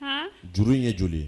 Juru in ye joli